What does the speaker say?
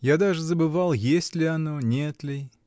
Я даже забывал, есть ли оно, нет ли.